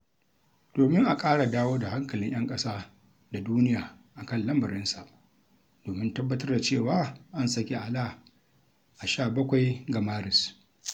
Domin a ƙara dawo da hankalin 'yan ƙasa da duniya a kan lamarinsa domin tabbatar da cewa an saki Alaa a 17 ga Maris.